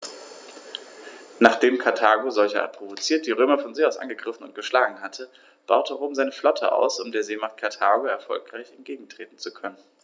Nachdem Karthago, solcherart provoziert, die Römer von See aus angegriffen und geschlagen hatte, baute Rom seine Flotte aus, um der Seemacht Karthago erfolgreich entgegentreten zu können.